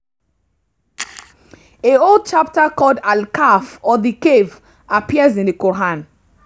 A whole chapter called "Al Kahf" or "The Cave" appears in the Quran.